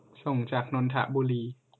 ส่งจากนนทบุรี